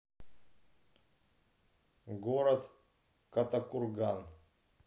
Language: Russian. город катакурган